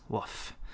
Woof.